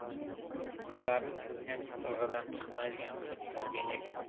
bizlarni chizgan chizig'idan chiqmaydigan qilib tarbiyalagan